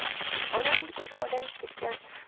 onamning ko'zi olayib ketgan